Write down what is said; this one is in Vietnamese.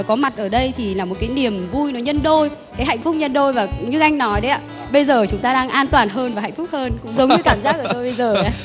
có mặt ở đây thì là một niềm vui nó nhân đôi cái hạnh phúc nhân đôi và cũng như anh nói đấy ạ bây giờ chúng ta đang an toàn hơn và hạnh phúc hơn cũng giống như cảm giác của tôi bây giờ đấy ạ